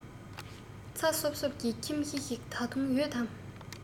ཚ སོབ སོབ ཀྱི ཁྱིམ གཞིས ཤིག ད དུང ཡོད དམ